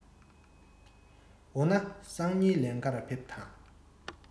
འོ ན སང ཉིན ལེན ག ཕེབས དང